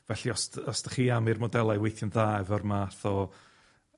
Felly, os 'dy- os 'dach chi am i'r modelau weithio'n dda efo'r math o